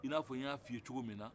i na fɔ n y'a fɔ i ye cogo min na